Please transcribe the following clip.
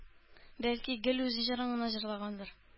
Бәлки, гел үз җырын гына җырлагандыр